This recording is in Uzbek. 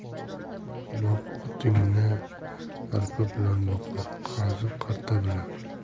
boq otingni arpa bilan boqar qazi qarta bilan